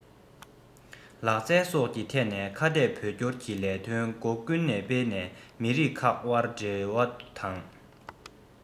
ལག རྩལ སོགས ཀྱི ཐད ནས ཁ གཏད བོད སྐྱོར གྱི ལས དོན སྒོ ཀུན ནས སྤེལ ནས མི རིགས ཁག དབར འབྲེལ གཏུག དང